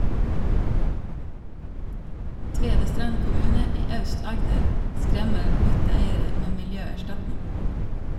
Tvedestrand kommune i Aust-Agder "skremmer" hytteeiere med miljøerstatning.